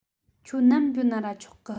ཁྱོད ནམ འགྱོ ན ར ཆོག གི